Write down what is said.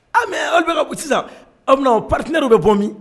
Andu ka ko sisan paritiina dɔw bɛ bɔ min